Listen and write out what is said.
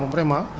hiver xanaa